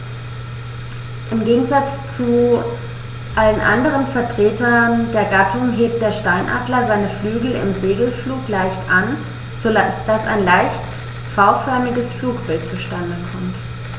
Im Gegensatz zu allen anderen Vertretern der Gattung hebt der Steinadler seine Flügel im Segelflug leicht an, so dass ein leicht V-förmiges Flugbild zustande kommt.